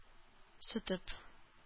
Сүтеп